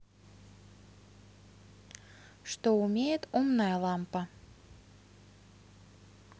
что умеет умная лампа